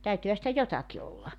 täytyihän sitä jotakin olla